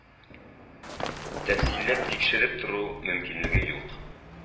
Тәфсилләп тикшереп тору мөмкинлеге юк